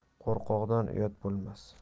qo'rqoqda uyat bo'lmas